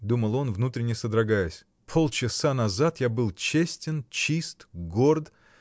— думал он, внутренно содрогаясь, — полчаса назад я был честен, чист, горд